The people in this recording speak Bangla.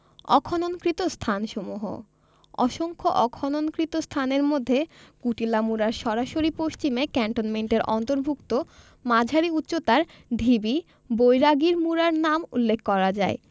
অখননকৃত স্থানসমূহ অসংখ্য অখননকৃত স্থানের মধ্যে কুটিলা মুড়ার সরাসরি পশ্চিমে ক্যান্টনমেন্টের অন্তর্ভুক্ত মাঝারি উচ্চতার ঢিবি বৈরাগীর মুড়ার নাম উল্লেখ করা যায়